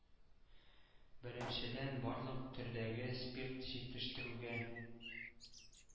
– беренчедән, барлык төрдәге спирт җитештерүгә